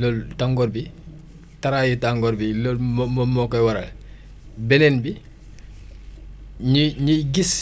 loolu tàngoor bi taraayu tàngoor bi loolu moom moom moo ko waral beneen bi ñuy ñuy gis